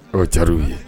O diyar'u ye